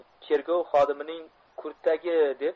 cherkov xodimining kurtagi deb